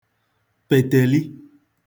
pètèli